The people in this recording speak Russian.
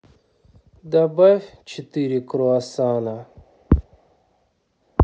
добавь четыре круассана